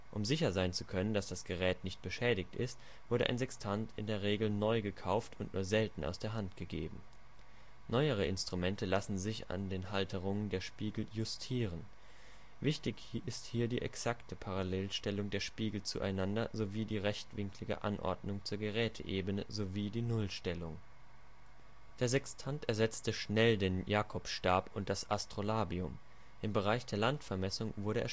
Um sicher sein zu können, dass das Gerät nicht beschädigt ist, wurde ein Sextant in der Regel neu gekauft und nur selten aus der Hand gegeben. Neuere Instrumente lassen sich an den Halterungen der Spiegel justieren. Wichtig ist hier die exakte Parallelstellung der Spiegel zueinander sowie die rechtwinklige Anordnung zur Geräteebene sowie die Nullstellung. Der Sextant ersetzte schnell den Jakobstab und das Astrolabium. Im Bereich der Landvermessung wurde